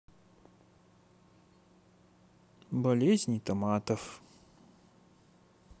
болезни томатов